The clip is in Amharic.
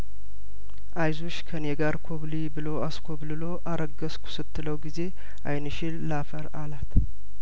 አይዞሽ ከኔ ጋር ኮብልዪ ብሎ አስኮብልሎ አረገዝኩ ስትለው ጊዜ አይንሽን ላፈር አላት